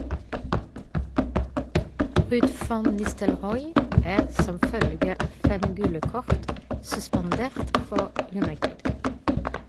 Ruud van Nistelrooy er, som følge av fem gule kort, suspendert for United.